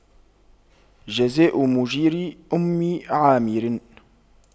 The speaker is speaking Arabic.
جزاء مُجيرِ أُمِّ عامِرٍ